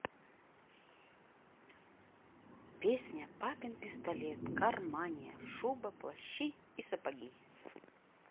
песня папин пистолет car mania шуба плащи и сапоги